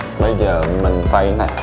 bây giờ mình xoay thế